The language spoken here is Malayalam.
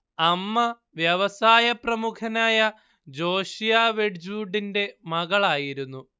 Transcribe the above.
അമ്മ വ്യവസായപ്രമുഖനായ ജോഷിയാ വെഡ്ജ്വുഡിന്റെ മകളായിരുന്നു